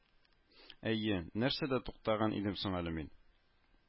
Әйе, нәрсәдә туктаган идем соң әле, мин